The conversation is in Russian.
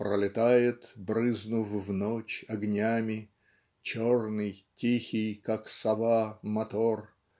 Пролетает, брызнув в ночь огнями, Черный, тихий, как сова, мотор.